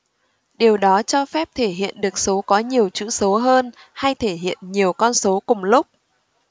điều đó cho phép thể hiện được số có nhiều chữ số hơn hay thể hiện nhiều con số cùng lúc